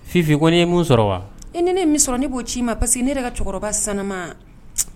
Fi fik ye min sɔrɔ wa i ni ne mii b'o ci ma parceseke ne yɛrɛ ka cɛkɔrɔba sanma